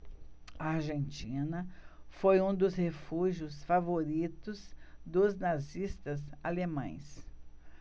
a argentina foi um dos refúgios favoritos dos nazistas alemães